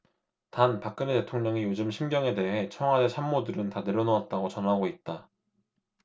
단박근혜 대통령의 요즘 심경에 대해 청와대 참모들은 다 내려놓았다고 전하고 있다